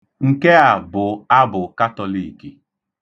Nke a bụ abụ katọliiki.